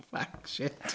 Fuck, shit.